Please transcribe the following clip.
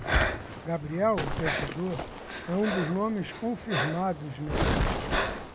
gabriel o pensador é um dos nomes confirmados nesta lista